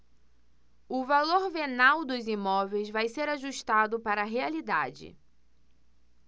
o valor venal dos imóveis vai ser ajustado para a realidade